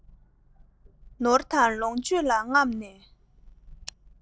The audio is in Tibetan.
ནོར དང ལོངས སྤྱོད ལ རྔམ ནས